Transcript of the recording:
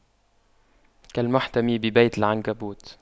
كالمحتمي ببيت العنكبوت